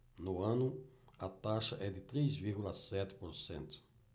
no ano a taxa é de três vírgula sete por cento